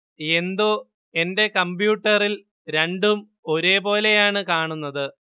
എന്തോ എന്റെ കമ്പ്യൂട്ടറിൽ രണ്ടും ഒരേ പോലെ ആണ് കാണുന്നത്